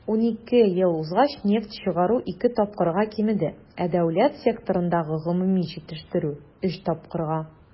12 ел узгач нефть чыгару ике тапкырга кимеде, ә дәүләт секторындагы гомуми җитештерү - өч тапкырга.